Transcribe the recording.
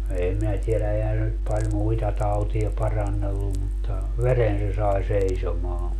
en minä tiedä eihän se nyt paljon muita tauteja parannellut mutta veren se sai seisomaan